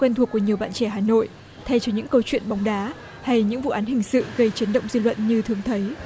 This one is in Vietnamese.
quen thuộc của nhiều bạn trẻ hà nội thay cho những câu chuyện bóng đá hay những vụ án hình sự gây chấn động dư luận như thường thấy